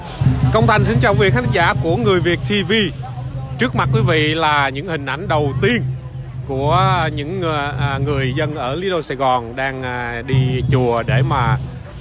công văn xin chào quý khán giả của người việt ti vi trước mặt quý vị là những hình ảnh đầu tiên của a những người à người dân ở lít ô sài gòn đang a đi chùa để mà